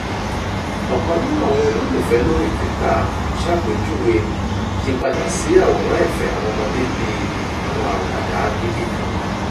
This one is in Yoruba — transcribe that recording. Ọ̀kan nínú àwọn olólùfẹ́ lóríi Twitter ṣàpèjúwe ìyípadà sí àwòrán ẹ̀fẹ̀ àwọn ọmọdé bíi “àwọn àwàdà agídí kan.”